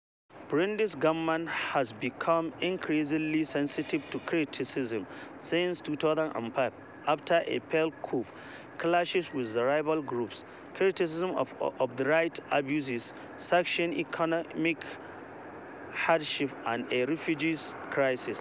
Burundi's government has become increasingly sensitive to criticism since 2015, after a failed coup, clashes with rebel groups, criticisms of rights abuses, sanctions, economic hardships and a refugee crisis.